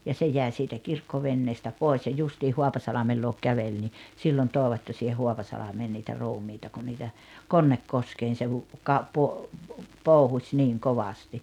ja se jäi siitä kirkkoveneestä pois ja justiin Haapasalmen luokse käveli niin silloin toivat ja siihen Haapasalmeen niitä ruumiita kun niitä Konnekoskeen se --- pouhusi niin kovasti